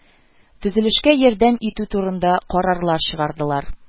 Төзелешкә ярдәм итү турында карарлар чыгардылар